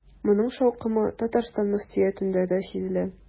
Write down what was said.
Моның шаукымы Татарстан мөфтиятендә дә сизелә.